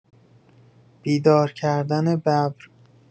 بیدار کردن ببر